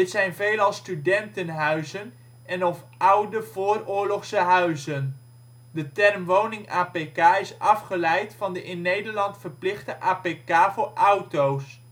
zijn veelal studentenhuizen en/of oude vooroorlogse huizen. De term woning-APK is afgeleid aan de in Nederland verplichte APK voor auto 's